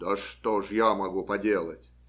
да что ж я могу поделать?